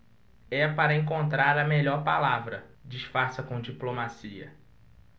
é para encontrar a melhor palavra disfarça com diplomacia